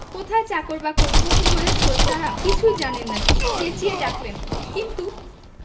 কোথায় চাকর বাকর কোন্ ঘরে শোয় তারা কিছুই জানেন না তিনি চেঁচিয়ে ডাকলেন কিন্তু